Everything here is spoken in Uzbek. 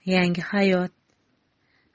yangi hayot